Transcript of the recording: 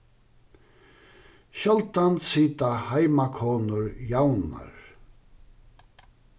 sjáldan sita heimakonur javnar